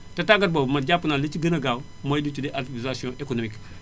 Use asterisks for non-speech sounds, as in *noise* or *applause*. te tàggat boobu man jàpp naa li ci gën a gaaw mooy li ñuy tuddee alphabétisation économique *inhales*